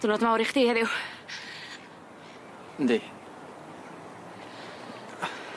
Diwrnod mowr i chdi heddiw. Yndi.